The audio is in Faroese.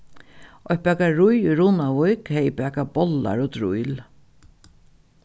eitt bakarí í runavík hevði bakað bollar og drýl